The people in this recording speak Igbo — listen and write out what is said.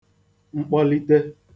mkpọlite